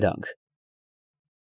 Նրանք։